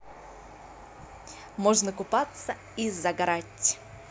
можно купаться и загорать